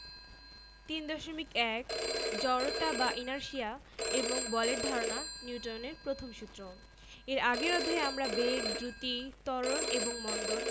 গ্লাসের উপর একটা কার্ড রেখে কার্ডের উপর একটা ধাতব মুদ্রা রেখে কার্ডটিকে টোকা দিয়ে সরিয়ে দাও মুদ্রাটি গ্লাসের ভেতর পড়বে কেন